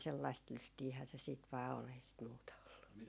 sellaista lystiähän se sitten vain oli ei sitä muuta ollut